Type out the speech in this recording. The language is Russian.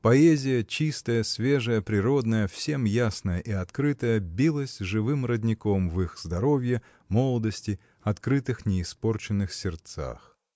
Поэзия, чистая, свежая, природная, всем ясная и открытая, билась живым родником — в их здоровье, молодости, открытых, неиспорченных сердцах.